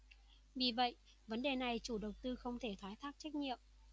vì vậy vấn đề này chủ đầu tư không thể thoái thác trách nhiệm